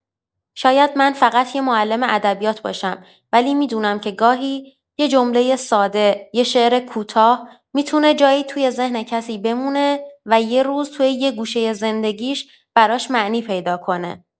شاید من فقط یه معلم ادبیات باشم، ولی می‌دونم که گاهی، یه جملۀ ساده، یه شعر کوتاه، می‌تونه جایی توی ذهن کسی بمونه و یه روز، توی یه گوشۀ زندگی‌ش، براش معنی پیدا کنه.